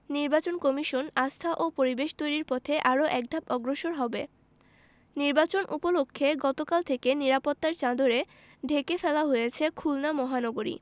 নির্বাচন কমিশন আস্থা ও পরিবেশ তৈরির পথে আরো একধাপ অগ্রসর হবে নির্বাচন উপলক্ষে গতকাল থেকে নিরাপত্তার চাদরে ঢেকে ফেলা হয়েছে খুলনা মহানগরী